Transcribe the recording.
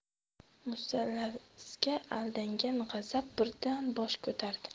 musallasga aldangan g'azab birdan bosh ko'tardi